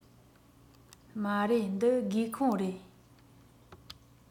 མ རེད འདི སྒེའུ ཁུང རེད